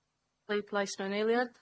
Bleidlais mewn eiliad.